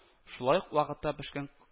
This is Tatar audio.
Шулай ук вакытта пешкән